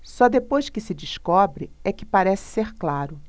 só depois que se descobre é que parece ser claro